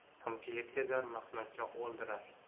chaqimchi yetkazar maqtanchoq o'ldirar